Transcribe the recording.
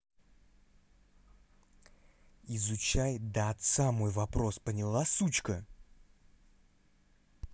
изучать до отца мой вопрос поняла сучка